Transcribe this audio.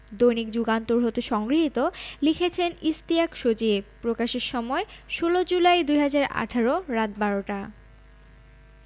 দৈনিক যুগান্তর হতে সংগৃহীত লিখেছেন ইশতিয়াক সজীব প্রকাশের সময় ১৬ জুলাই ২০১৮ রাত ১২টা